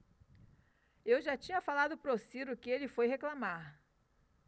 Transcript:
eu já tinha falado pro ciro que ele foi reclamar